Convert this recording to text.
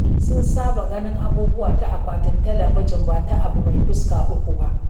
Sun saba ganin abubuwa ta akwatin talabijin, ba ta abu mai fuska uku ba.